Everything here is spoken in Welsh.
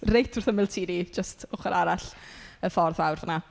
Reit wrth yml tŷ ni jyst ochr arall y ffordd fawr fan'na.